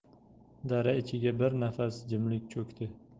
dara ichiga bir nafas jimlik cho'kdi